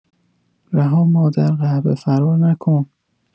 رها مادر قهبه فرار نکن